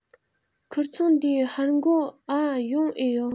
ཁིར ཚང འདིའི ཧར འགོ འ ཡོང ཨེ ཡོད